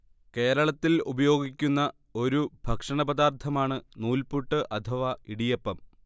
കേരളത്തിൽ ഉപയോഗിക്കുന്ന ഒരു ഭക്ഷണപദാർത്ഥമാണ് നൂൽപുട്ട് അഥവാ ഇടിയപ്പം